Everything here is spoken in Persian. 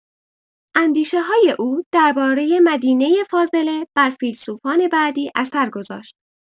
اندیشه‌های او درباره مدینه فاضله بر فیلسوفان بعدی اثر گذاشت.